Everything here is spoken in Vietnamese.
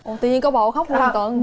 tự nhiên có bầu khóc nguyên một tuần